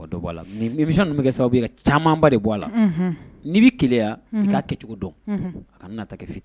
A la i bɛ sɔn bɛ kɛ sababu' camanba de bɔ a la n'i bɛ keleya i taa kɛcogo dɔn a ka na ta kɛ fi